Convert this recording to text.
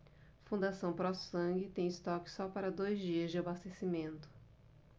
fundação pró sangue tem estoque só para dois dias de abastecimento